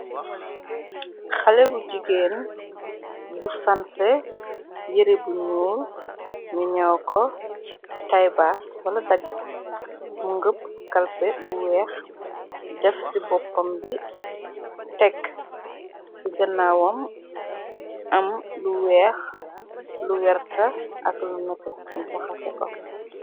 Xale bu jigeen bu sanse yiri bu ñuul, mi ñaw ko taybaas wala dagit mu ngëpb, kalpe bu weex. Def ci boppam bi tekk , ci ganawam am lu weex, lu werta ak lu nete ni baxase ko.